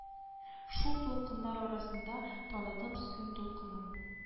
Шул дулкыннар арасында таныдым сөн дулкынын